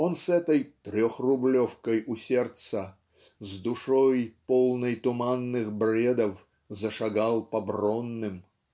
он с этой "трехрублевкой у сердца с душой полной туманных бредов зашагал по Бронным.